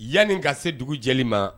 Yanni ka se dugu jɛli maa